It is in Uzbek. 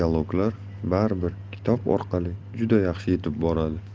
dialoglar baribir kitob orqali juda yaxshi yetib boradi